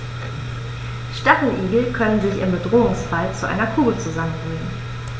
Stacheligel können sich im Bedrohungsfall zu einer Kugel zusammenrollen.